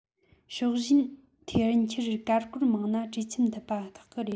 ཕྱོགས ཞེན འཐེན འཁྱེར ཀར ཀོར མང ན གྲོས འཆམས ཐུབ པ ཁག གི རེད